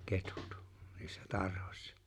ketut niissä tarhassa